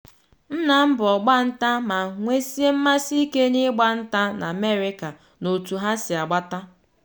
Nna m bụ ọgba nta ma nwesie mmasị ike n'igba nta na Amerịka na otú ha si agbata.